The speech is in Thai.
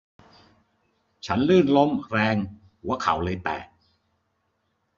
ฉันลื่นล้มแรงหัวเข่าเลยแตก